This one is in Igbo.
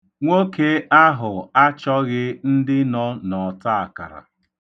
Nwoke ahụ achọghị ndị nọ n'ọtaakara.